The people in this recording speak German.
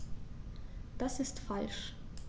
Das ist falsch.